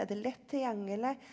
er det lett tilgjengelig?